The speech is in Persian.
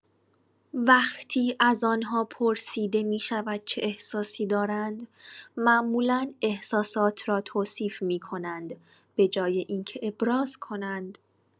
وقتی از آن‌ها پرسیده می‌شود چه احساسی دارند، معمولا احساسات را توصیف می‌کنند، به‌جای اینکه ابراز کنند.